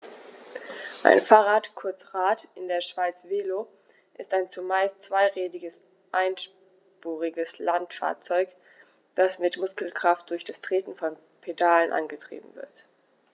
Ein Fahrrad, kurz Rad, in der Schweiz Velo, ist ein zumeist zweirädriges einspuriges Landfahrzeug, das mit Muskelkraft durch das Treten von Pedalen angetrieben wird.